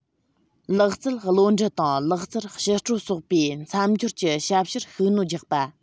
ལག རྩལ བློ འདྲི དང ལག རྩལ བཤུག སྤྲོད སོགས པའི མཚམས སྦྱོར གྱི ཞབས ཞུར ཤུགས སྣོན རྒྱག པ